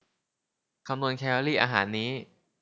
คำนวณแคลอรี่อาหารนี้